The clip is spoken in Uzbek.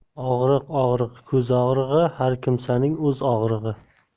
og'riq og'riq ko'z og'rig'i har kimsaning o'z og'rig'i